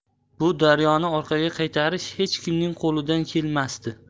bu daryoni orqaga qaytarish hech kimning qo'lidan kelmasdi